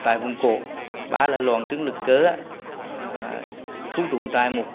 tại vùng cổ ba là loạn trương lực cơ á khưu trú tại một